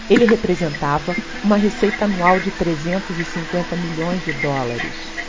ele representava uma receita anual de trezentos e cinquenta milhões de dólares